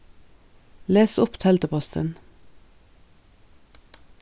les upp teldupostin